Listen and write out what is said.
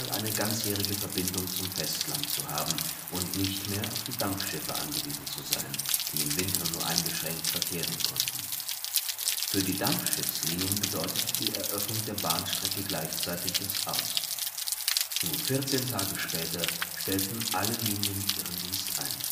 eine ganzjährige Verbindung zum Festland und war nicht mehr auf die Dampfschiffe angewiesen, die im Winter nur eingeschränkt verkehren konnten. Für die Dampfschiffslinien bedeutete die Eröffnung der Bahnstrecke das Aus, 14 Tage nach Streckeneröffnung stellten alle Linien ihren Dienst ein